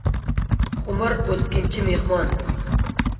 umr o'tkinchi mehmon